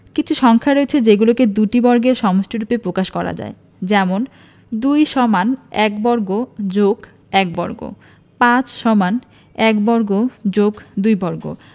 কিছু সংখ্যা রয়েছে যেগুলোকে দুইটি বর্গের সমষ্টিরুপে প্রকাশ করা যায় যেমনঃ ২ = ১ বর্গ + ১ বর্গ ৫ = ১ বর্গ + ২ বর্গ